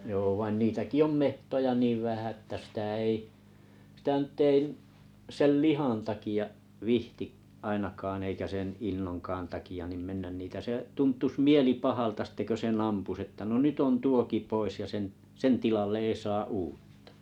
joo vaan niitäkin on metsoja niin vähän että sitä ei sitä nyt ei sen lihan takia viitsi ainakaan eikä sen innonkaan takia niin mennä niitä se tuntuisi mieli pahalta sitten kun sen ampuisi että nyt on tuokin pois ja sen sen tilalle ei saa uutta